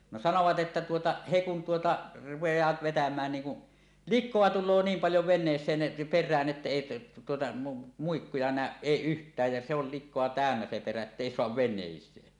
no sanoivat että tuota he kun tuota rupeavat vetämään niin kun likaa tulee niin paljon veneeseen perään että ei tuota muikkuja näy ei yhtään ja se oli likaa täynnä se perä että ei saa veneeseen